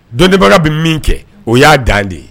Dɔnniba bɛ min kɛ o y'a dan de ye